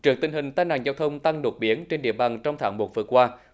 trước tình hình tai nạn giao thông tăng đột biến trên địa bàn trong tháng một vừa qua